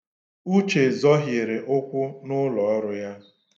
Uche zọhiere ụkwụ n'ụlọ ọrụ ya.